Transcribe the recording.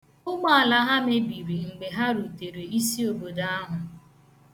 Ụgbaala ha mebiri mgbe ha rutere isiobodo ahụ.